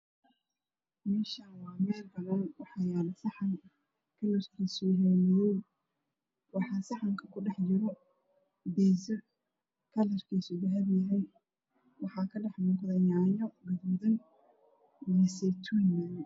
Meeshani waa meel banaa waxaayaalo saxan kalarkiisu yhay madow waxaa saxanka kudhejiro biizo kalarkiisu dahabi yhay waxaa kadhax muuqdo yaanyo gudoodan io saytuun madow